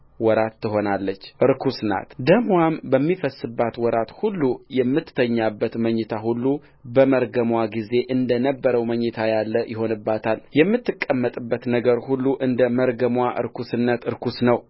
ወራት ትሆናለች ርኩስ ናትደምዋም በሚፈስስበት ወራት ሁሉ የምትተኛበት መኝታ ሁሉ በመርገምዋ ጊዜ እንደ ነበረው መኝታ ያለ ይሆንባታል የምትቀመጥበት ነገር ሁሉ እንደ መርገምዋ ርኵስነት ርኵስ ነው